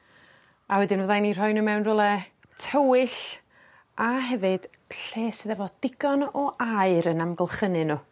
A wedyn fyddai'n 'u rhoi n'w mewn rwle tywyll a hefyd lle sydd efo digon o aer yn amgylchynu n'w.